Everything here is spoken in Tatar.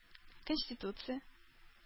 Конституция